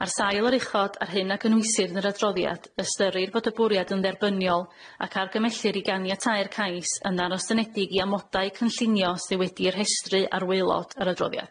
Ar sail yr uchod, a'r hyn a gynhwysir yn yr adroddiad, ystyrir fod y bwriad yn dderbyniol, ac argymhellir i ganiatáu'r cais yn ddarostyngedig i amodau cynllunio sy' wedi'i rhestru ar waelod yr adroddiad.